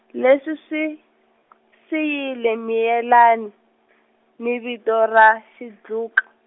leswi swi , siyile Miyelani , ni vito ra Xidluka.